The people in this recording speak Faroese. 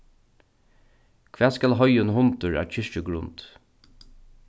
hvat skal heiðin hundur á kirkjugrund